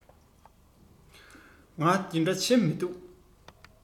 ང འདི འདྲ བྱེད མི འདུག